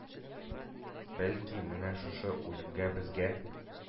Бәлки, менә шушы үлем безгә